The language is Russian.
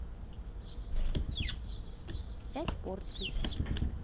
пять порций